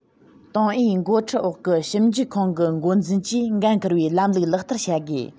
ཏང ཨུའི འགོ ཁྲིད འོག གི ཞིབ འཇུག ཁང གི འགོ འཛིན གྱིས འགན ཁུར བའི ལམ ལུགས ལག བསྟར བྱ དགོས